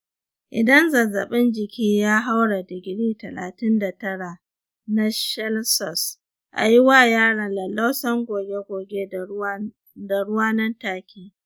idan zazzabin jiki ya haura digiri talatin da tara na celsus, a yi wa yaron lallausan goge-goge da ruwa nan take.